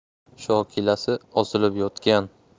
shokilasi osilib yotgan